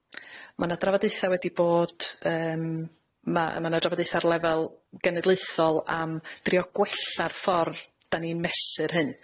Ma' 'na drafodaetha wedi bod yym. Ma'- ma' 'na drafodaethau ar lefel genedlaethol am drio gwella'r ffor 'dan ni'n mesur hyn.